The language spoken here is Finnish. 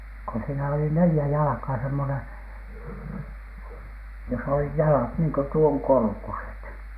kun siinä oli neljä jalkaa semmoinen jos olivat jalat niin kuin tuon korkuiset